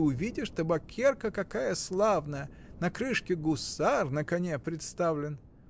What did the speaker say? ты увидишь, табакерка какая славная: на крышке гусар на коне представлен.